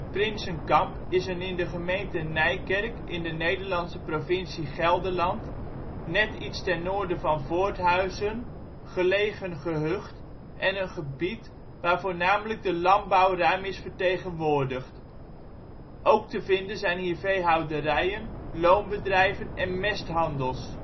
Prinsenkamp is een in de gemeente Nijkerk (in de Nederlandse provincie Gelderland) net iets ten noorden van Voorthuizen, gelegen gehucht, en een gebied waar voornamelijk de landbouw ruim is vertegenwoordigd. Ook te vinden zijn hier veehouderijen, loonbedrijven en mesthandels